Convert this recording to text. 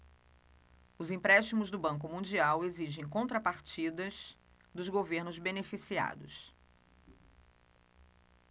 os empréstimos do banco mundial exigem contrapartidas dos governos beneficiados